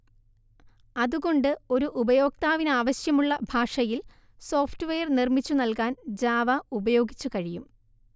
അതുകൊണ്ട് ഒരു ഉപയോക്താവിനാവശ്യമുള്ള ഭാഷയിൽ സോഫ്റ്റ്‌വെയർ നിർമ്മിച്ചു നൽകാൻ ജാവ ഉപയോഗിച്ചു കഴിയും